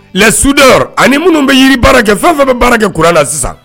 suda ani minnu bɛ yiri baara kɛ fɛn fɛn bɛ baara kɛ k kura la sisan